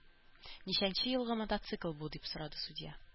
Ничәнче елгы мотоцикл бу? – дип сорады судья.